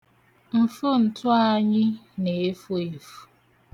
Mfontu anyị na-efu efu.